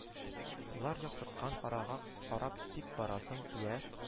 Лар яктырткан арага карап тик барасың, йә